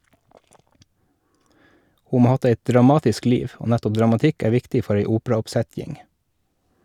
Ho må ha hatt eit dramatisk liv, og nettopp dramatikk er viktig for ei operaoppsetjing.